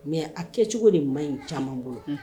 Mais a kɛcogo de maɲi caman bolo.